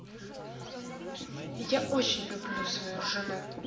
я люблю свою жену